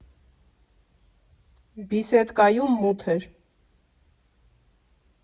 «Բիսեդկայում» մութ էր։